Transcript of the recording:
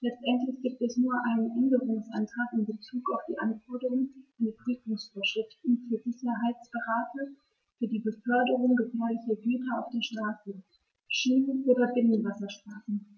letztendlich gibt es nur einen Änderungsantrag in bezug auf die Anforderungen an die Prüfungsvorschriften für Sicherheitsberater für die Beförderung gefährlicher Güter auf Straße, Schiene oder Binnenwasserstraßen.